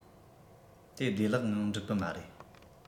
དེ བདེ ལག ངང འགྲུབ གི མ རེད